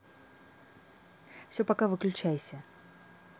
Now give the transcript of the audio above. все пока выключайся